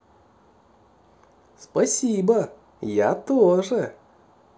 спасибо я тоже